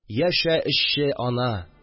Яшә, эшче ана